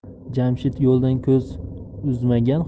jamshid yo'ldan ko'z uzmagan